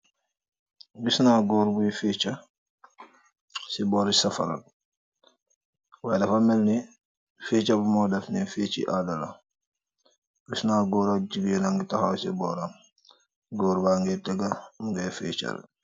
Gisnaa góor buiy fecca, si boori safara. Waaye dafa melni ficca bu mooy ficci aadala. Gisnaa góor ak jigeen a ngi taxaw ci booram. Góor ba ngiy tëga, mu ngee feecca.